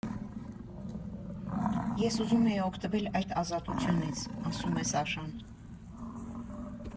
Ես ուզում էի օգտվել այդ ազատությունից», ֊ ասում է Սաշան։